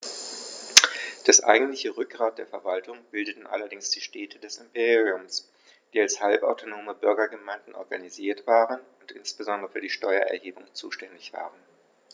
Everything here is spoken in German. Das eigentliche Rückgrat der Verwaltung bildeten allerdings die Städte des Imperiums, die als halbautonome Bürgergemeinden organisiert waren und insbesondere für die Steuererhebung zuständig waren.